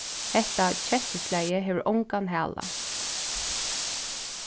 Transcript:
hetta kettuslagið hevur ongan hala